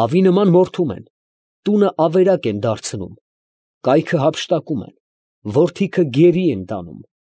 հավի նման մորթում են, տունը ավերակ են դարձնում, կայքը հափշտակում են, որդիքը գերի են տանում, ֊